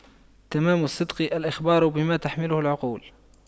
تمام الصدق الإخبار بما تحمله العقول